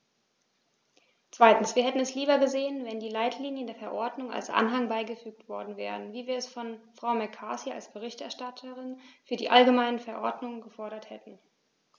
Zweitens: Wir hätten es lieber gesehen, wenn die Leitlinien der Verordnung als Anhang beigefügt worden wären, wie wir es von Frau McCarthy als Berichterstatterin für die allgemeine Verordnung gefordert hatten.